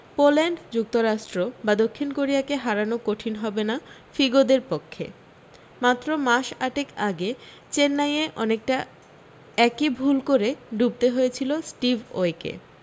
Poland যুক্তরাস্ট্র বা দক্ষিণ কোরিয়াকে হারানো কঠিন হবে না ফিগোদের পক্ষে মাত্র মাস আটেক আগে চেন্নাইয়ে অনেকটা একি ভুল করে ডুবতে হয়েছিলো স্টিভ ওয়কে